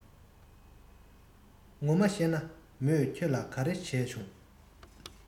ངོ མ གཤད ན མོས ཁྱེད ལ ག རེ བྱས བྱུང